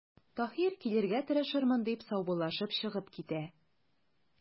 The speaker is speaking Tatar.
Таһир:– Килергә тырышырмын,– дип, саубуллашып чыгып китә.